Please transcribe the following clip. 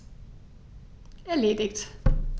Erledigt.